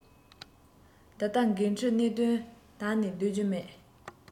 ད ལྟ འགན འཁྲིའི གནད དོན ད ནས སྡོད རྒྱུ མེད